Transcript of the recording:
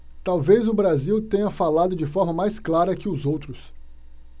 talvez o brasil tenha falado de forma mais clara que os outros